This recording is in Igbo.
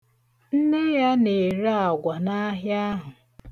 Nne ya na-ere agwa n'ahịa ahụ.